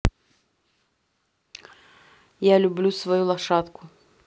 я люблю свою лошадку